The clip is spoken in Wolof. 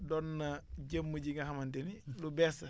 doon jëmm ji nga xamante nilu bees la